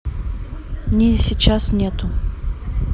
не сейчас нету